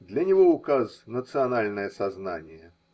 Для него указ – национальное сознание.